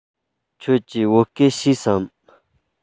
ཁྱེད ཀྱིས བོད སྐད ཤེས སམ